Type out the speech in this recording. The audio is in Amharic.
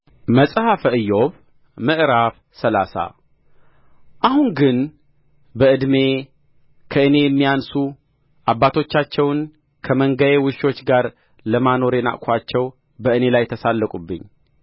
መጽሐፈ ኢዮብ ምዕራፍ ሰላሳ አሁን ግን በዕድሜ ከእኔ የሚያንሱ አባቶቻቸውን ከመንጋዬ ውሾች ጋር ለማኖር የናቅኋቸው በእኔ ላይ ተሳለቁብኝ